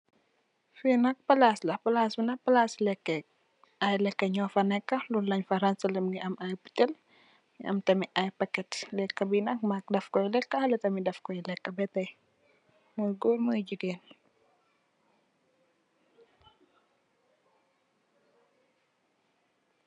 Fi nak palaas la, palaas bu nak palaas lek Kaye, ay lekka ñu fa nekka lol lenn fa rangsalè. Mungi am ay botem mungi am tamit ay paket. lekka bi nag mag def koy lekka, Haley tamit def koy lekka beh taye mi gòor mi jigéen.